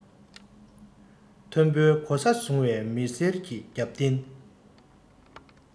མཐོན པོའི གོ ས བཟུང བའི མི སེར གྱི རྒྱབ རྟེན